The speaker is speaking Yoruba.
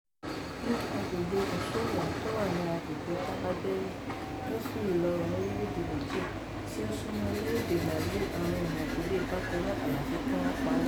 Ní agbègbè Anzourou, tí ó wà ní agbègbè Tillaberi [gúúsù - ìlà oòrùn orílẹ̀ èdè Niger, tí ó súnmọ́ orílẹ̀ èdè Mali], àwọn ènìyàn kò lè dáko mọ́ àyàfi kí wọ́n ó pa wọ́n.